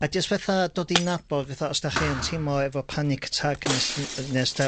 A jyst fatha dod i nabod petha os 'dach chi yn teilmo efo panic atack